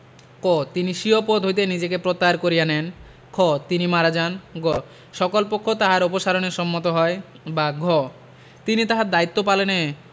ক তিনি স্বীয় পদ হইতে নিজেকে প্রত্যাহার করিয়া নেন খ তিনি মারা যান গ সকল পক্ষ তাহার অপসারণে সম্মত হয় বা ঘ তিনি তাহার দায়িত্ব পালনে